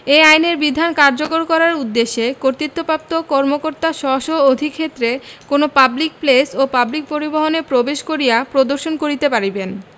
এই আইনের বিধান কার্যকর করার উদ্দেশ্যে কর্তৃত্বপ্রাপ্ত কর্মকর্তা স্ব স্ব অধিক্ষেত্রে কোন পাবলিক প্লেস ও পাবলিক পরিবহণে প্রবেশ করিয়া পরিদর্শন করিতে পারিবেন